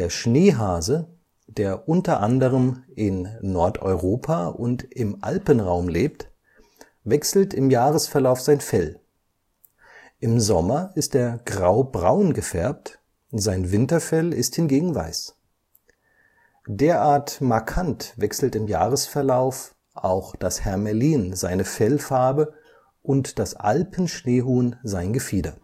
Schneehase, der u. a. in Nordeuropa und im Alpenraum lebt, wechselt im Jahresverlauf sein Fell: Im Sommer ist er grau-braun gefärbt, sein Winterfell ist hingegen weiß. Derart markant wechselt im Jahresverlauf auch das Hermelin seine Fellfarbe und das Alpenschneehuhn sein Gefieder